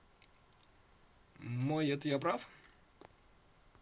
mayot я прав